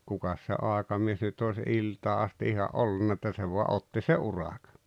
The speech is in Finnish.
kukas se aikamies nyt olisi iltaan asti ihan ollut että se vain otti se urakan